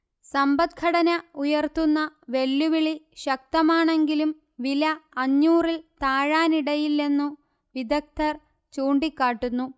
സമ്പദ്ഘടന ഉയർത്തുന്ന വെല്ലുവിളി ശക്തമാണെങ്കിലും വില അഞ്ഞൂറിൽ താഴാനിടയില്ലെന്നു വിദഗ്ധർ ചൂണ്ടിക്കാട്ടുന്നു